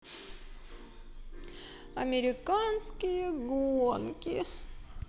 американские гонки